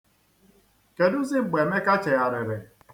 Kedụzị mgbe Emeka chegharịrị?